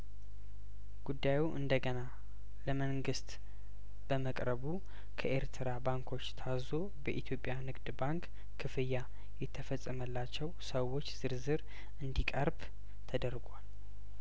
ጉዳዩ እንደገና ለመንግስት በመቅረቡ ከኤርትራ ባንኮች ታዞ በኢትዮጵያ ንግድ ባንክ ክፍያ የተፈጸመላቸው ሰዎች ዝርዝር እንዲቀርብ ተደርጓል